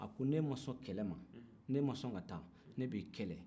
a ko n'e ma sɔn kɛlɛ ma n'e ma sɔn ka taa ne b'i kɛlɛ